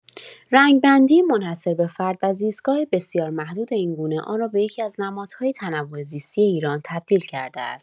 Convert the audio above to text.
رنگ‌بندی منحصربه‌فرد و زیستگاه بسیار محدود این گونه، آن را به یکی‌از نمادهای تنوع زیستی ایران تبدیل کرده است.